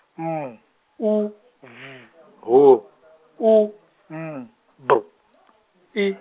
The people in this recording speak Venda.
M U V H U M B I.